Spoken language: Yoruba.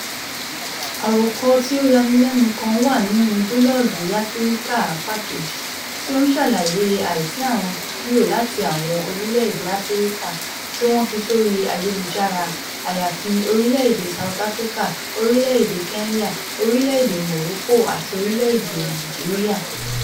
Àròkọ tí ó yanilẹ́nu kan wà nínú búlọ́ọ́gì Africa 2.0 tí o ń ṣàlàyé àìsí àwọn fídíò láti àwọn orílẹ̀-èdè Africa tí wọ́n fi sórí ayélujára (àyàfi Orílẹ̀-èdè South Africa, Orílẹ̀-èdè Kenya, Orílẹ̀-èdè Morocco àti Orílẹ̀-èdè Nigeria).